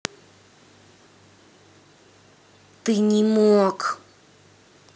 ты не мог